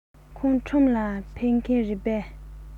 ཁོང ཁྲོམ ལ ཕེབས མཁན རེད པས